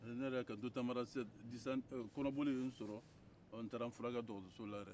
ne yɛrɛ donnen tamarasɛti kɔnɔboli ye n sɔrɔ n taara n fura kɛ dɔgɔtɔrɔsɔ la yɛrɛ